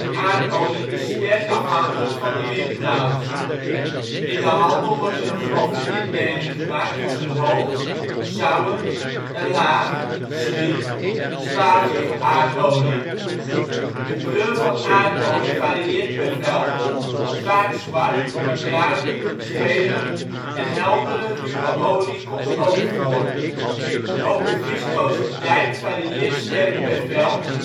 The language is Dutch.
aardolie is sterk afhankelijk van de winplaats. In de handel wordt er een grove indeling gemaakt tussen Hoog (Sour) en Laag (Sweet) zwavelige aardolie. De kleur van aardolie varieert per veld, vaak zwart maar bruine, gele en heldere ruwe olie komt ook voor. Ook de viscositeit varieert sterk per veld